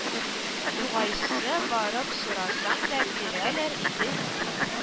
Югайсы барып сорасаң да бирәләр иде бит